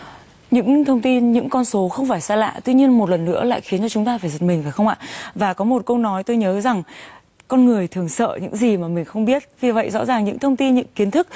những thông tin những con số không phải xa lạ tuy nhiên một lần nữa lại khiến cho chúng ta phải giật mình phải không ạ và có một câu nói tôi nhớ rằng con người thường sợ những gì mà người không biết vì vậy rõ ràng những thông tin những kiến thức